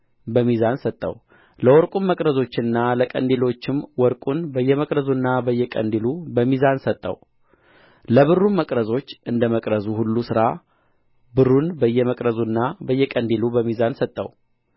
በሚዛን ሰጠው ለወርቁም መቅረዞችና ለቀንዲሎችም ወርቁን በየመቅረዙና በየቀንዲሉ በሚዛን ሰጠው ለብሩን መቅረዞች እንደ መቅረዙ ሁሉ ሥራ ሁሉ ብሩን በየመቅረዙና በየቀንዲሉ በሚዛን ሰጠው